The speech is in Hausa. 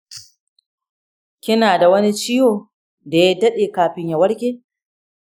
kina da wani ciwo da ya daɗe kafin ya warke?